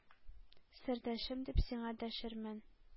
— сердәшем! — дип, сиңа дәшермен.